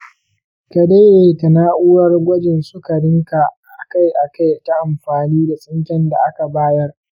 ka daidaita na'urar gwajin sukarinka a kai a kai ta amfani da tsinken da aka bayar.